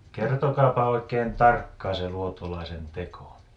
kertokaapa oikein tarkkaan se luotolaisen teko